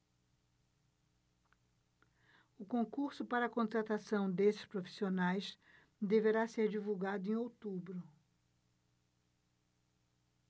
o concurso para contratação desses profissionais deverá ser divulgado em outubro